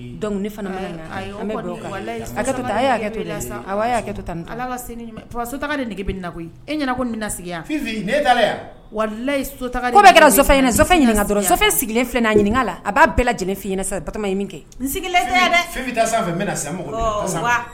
Dɔnku nege koyi eyifɛ sigilen ɲininka la a b'a bɛɛ lajɛlen f kɛ sa